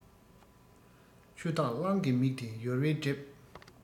ཆུ འཐག གླང གི མིག དེ ཡོལ བས བསྒྲིབས